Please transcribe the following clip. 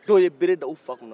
dɔw ye bere da u fa kunna